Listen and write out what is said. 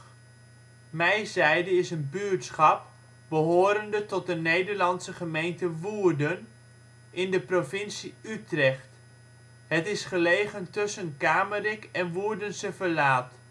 buurtschap behorende tot de Nederlandse gemeente Woerden, in de provincie Utrecht. Het is gelegen tussen Kamerik en Woerdense Verlaat